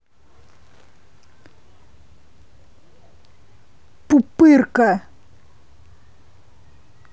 пупырка